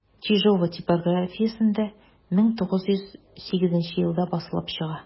Чижова типографиясендә 1908 елда басылып чыга.